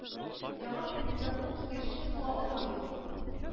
Яңа президентның киңәшчесе була алмады ул